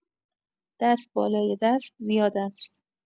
دست بالای دست زیاد است